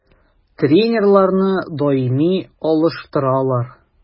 Тренерларны даими алыштыралар.